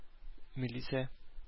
Милиция